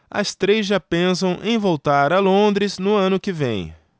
as três já pensam em voltar a londres no ano que vem